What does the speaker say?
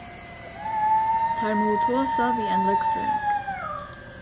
teir mugu tosa við ein løgfrøðing